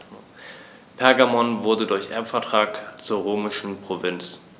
Pergamon wurde durch Erbvertrag zur römischen Provinz.